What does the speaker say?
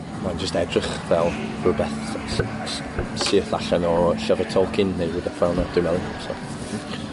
ma'n just edrych fel rhwbeth s- s- s- syth allan o llyfyr Tolkien neu rwbeth fel 'na dwi meddwl, so.